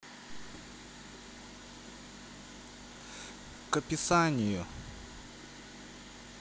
к описанию